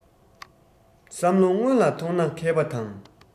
བསམ བློ སྔོན ལ ཐོངས ན མཁས པ དང